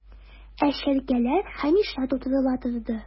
Ә чәркәләр һәмишә тутырыла торды...